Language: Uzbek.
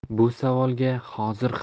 bu savolga hozir